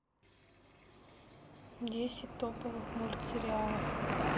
десять топовых мультсериалов